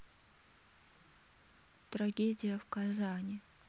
трагедия в казани